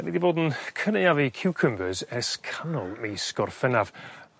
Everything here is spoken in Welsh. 'Dan ni 'di bod yn cynaeafu ciwcymdyrs ers canol mis Gorffennaf